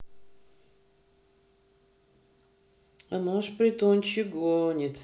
а наш притончик гонит